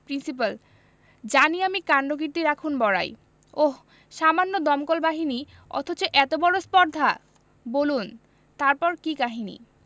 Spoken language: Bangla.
প্রিন্সিপাল জানি আমি কাণ্ডকীর্তি রাখুন বড়াই ওহ্ সামান্য দমকল বাহিনী অথচ এত বড় স্পর্ধা বুলন তারপর কি কাহিনী